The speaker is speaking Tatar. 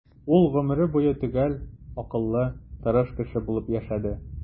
Ул гомере буе төгәл, акыллы, тырыш кеше булып яшәде.